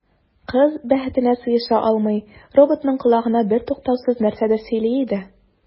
Кыз, бәхетенә сыеша алмый, роботның колагына бертуктаусыз нәрсәдер сөйли иде.